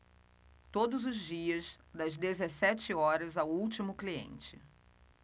todos os dias das dezessete horas ao último cliente